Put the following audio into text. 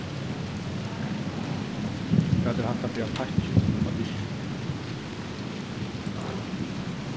hvat er hatta fyri ein pakki á diskinum